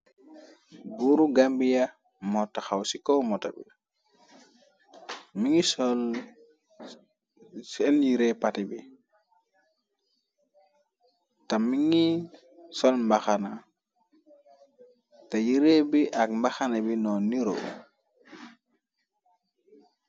Buuru gambiya mo taxaw ci ko moto bi mingi sol seen yiree pati bi ta. Mingi sol mbaxana té yirée bi ak mbaxana bi noon niro.